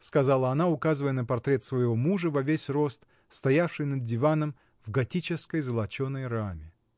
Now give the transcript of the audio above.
— сказала она, указывая на портрет своего мужа во весь рост, стоявший над диваном, в готической золоченой раме.